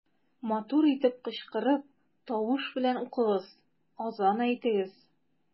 Матур итеп кычкырып, тавыш белән укыгыз, азан әйтегез.